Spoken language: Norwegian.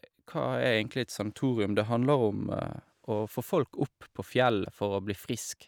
Hva er egentlig et sanatorium, det handler om å få folk opp på fjellet for å bli frisk.